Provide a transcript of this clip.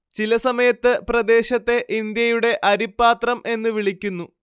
ചിലസമയത്ത് പ്രദേശത്തെ ഇന്ത്യയുടെ അരിപ്പാത്രം എന്നു വിളിക്കുന്നു